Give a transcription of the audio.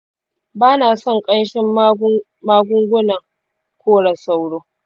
ba na son ƙanshin magungunan kora sauro.